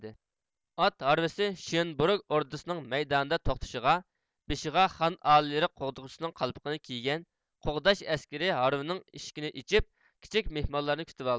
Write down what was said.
ئات ھارۋىسى شىئىنبوروگ ئوردىسىنىڭ مەيدانىدا توختىشىغا بېشىغا خان ئالىيلىرى قوغدىغۇچىسىنىڭ قالپىغىنى كىيگەن قوغداش ئەسكىرى ھارۋىنىڭ ئىشىكىنى ئېچىپ كىچىك مېھمانلارنى كۈتىۋالدى